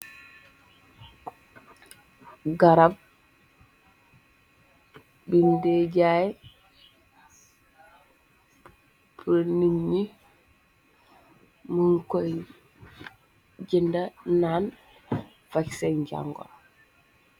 Garab bonde jaye purr neet nye mun koy jënda naan faj seen jaguru.